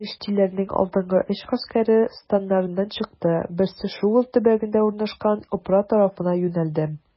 Пелештиләрнең алдынгы өч гаскәре, станнарыннан чыкты: берсе Шугал төбәгендә урнашкан Опра тарафына юнәлде.